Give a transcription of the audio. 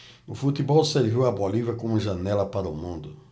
o futebol serviu à bolívia como janela para o mundo